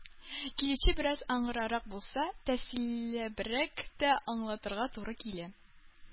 Килүче бераз аңгырарак булса, тәфсилләбрәк тә аңлатырга туры килә.